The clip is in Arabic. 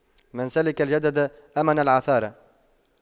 من سلك الجدد أمن العثار